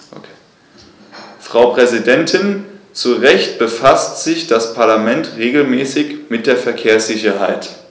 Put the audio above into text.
Frau Präsidentin, zu Recht befasst sich das Parlament regelmäßig mit der Verkehrssicherheit.